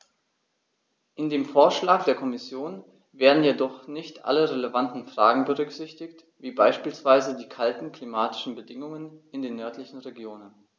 In dem Vorschlag der Kommission werden jedoch nicht alle relevanten Fragen berücksichtigt, wie beispielsweise die kalten klimatischen Bedingungen in den nördlichen Regionen.